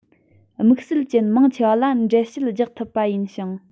དམིགས བསལ ཅན མང ཆེ བ ལ འགྲེལ བཤད རྒྱག ཐུབ པ ཡིན ཞིང